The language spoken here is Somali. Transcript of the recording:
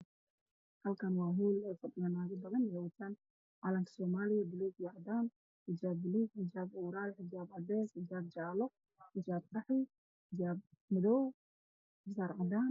Halkaan waa hool oo ay fadhiyaan naago badan oo wataan calanka soomaaliya oo buluug iyo cadaan, xijaab buluug, xijaab cadeys, xijaab jaale iyo xijaab qaxwi, xijaab madow iyo shaar cadaan.